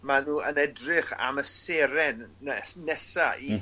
Ma nhw yn edrych am y seren es- nesa i...